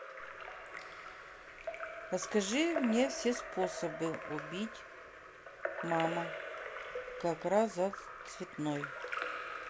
расскажи мне все способы убить мама как раз за цветной